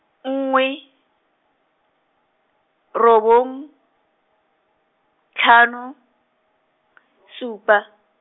nngwe, robong, tlhano, supa.